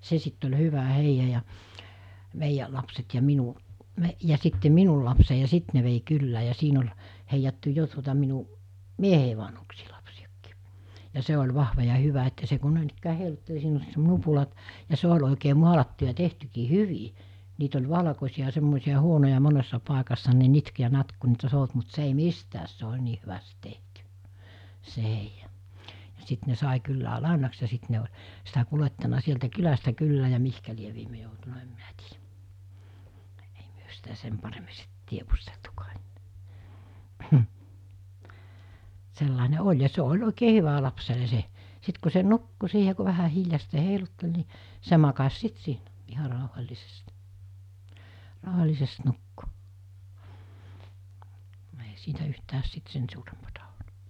se sitten oli hyvä heija ja meidän lapset ja minun - ja sitten minun lapseni ja sitten ne vei kylään ja siinä oli heijattu jo tuota minun mieheni vanhuksien lapsinakin ja se oli vahva ja hyvä että se kun noinikään heilutteli siinä oli nupulat ja se oli oikein maalattu ja tehtykin hyvin niitä oli valkoisia ja semmoisia huonoja monessa paikassa ne nitkui ja natkui kun niitä souti mutta se ei mitään se oli niin hyvästi tehty se heija ja sitten ne sai kyllä lainaksi ja sitten ne oli sitä kuljettanut sieltä kylästä kylään ja mihin lie viimein joutunut en minä tiedä ei me sitä sen paremmin sitten tiedusteltukaan enää sellainen oli ja se oli oikein hyvä lapselle se sitten kun se nukkui siihen kun vähän hiljaisesti heilutteli niin se makasi sitten siinä ihan rauhallisesti rauhallisesti nukkui ei siitä yhtään sitten sen suurempaa ollut